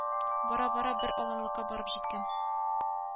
Бара-бара бер аланлыкка барып җиткән